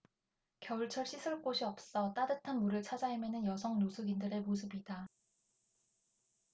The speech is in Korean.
겨울철 씻을 곳이 없어 따뜻한 물을 찾아 헤매는 여성 노숙인들의 모습이다